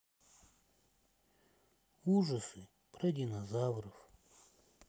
ужасы про динозавров